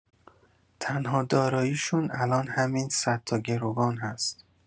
تنها دارایی‌شون الان همین صد تا گروگان هست.